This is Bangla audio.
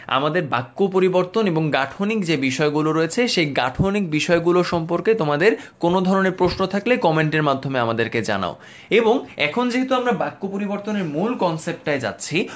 আমাদের বাক্য পরিবর্তন এবং গাঠনিক যে বিষয়গুলো রয়েছে সে গাঠনিক বিষয়গুলো সম্পর্কে তোমাদের কোন ধরনের প্রশ্ন থাকলে কমেন্টের মাধ্যমে আমাদেরকে জানাও এবং এখন যেহেতু আমরা বাক্য পরিবর্তনের মূল কনসেপ্ট টায় যাচ্ছি